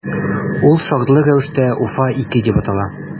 Ул шартлы рәвештә “Уфа- 2” дип атала.